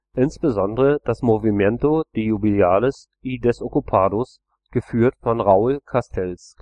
insbesondere das Movimiento de Jubilados y Desocupados, geführt von Raúl Castells